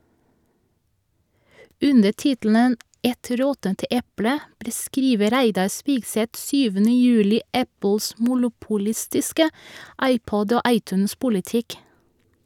Under tittelen «Et råttent eple» beskriver Reidar Spigseth 7. juli Apples monopolistiske iPod- og iTunes-politikk.